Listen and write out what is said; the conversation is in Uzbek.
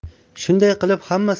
shunday qilib hamma